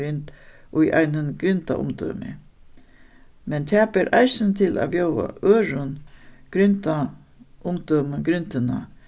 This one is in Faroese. grind í einum grindaumdømi men tað ber eisini til at bjóða øðrum grindaumdømum grindina